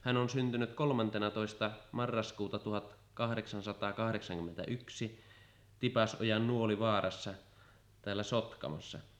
hän on syntynyt kolmantenatoista marraskuuta tuhat kahdeksansataa kahdeksankymmentä yksi Tipasojan Nuolivaarassa täällä Sotkamossa